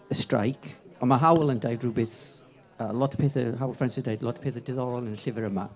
streic, ond ma' Hywel yn deud rywbeth... yy lot o pethau Hywel Francis yn deud lot o pethe diddorol yn y llyfr yma,